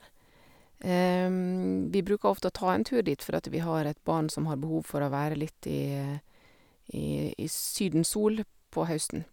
Vi bruker ofte å ta en tur dit, for at vi har et barn som har behov for å være litt i i i Sydens sol på høsten.